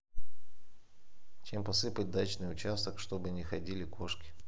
чем посыпать дачный участок чтобы не ходили кошки